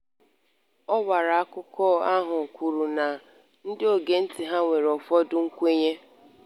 "Ọwara akụkọ ahụ kwuru na ndị ogee ntị ha nwere "ụfọdụ nkwenye"""